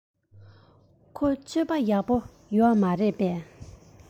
ཁོའི སྤྱོད པ ཡག པོ ཡོད མ རེད པས